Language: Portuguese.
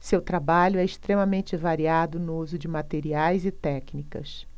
seu trabalho é extremamente variado no uso de materiais e técnicas